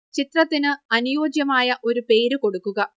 ചിത്രത്തിനു അനുയോജ്യമായ ഒരു പേരു കൊടുക്കുക